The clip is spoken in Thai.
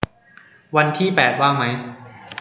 วันที่แปดว่างมั้ย